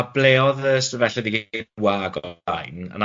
A ble o'dd yy stafelloedd i gyd yn wag o blaen, yn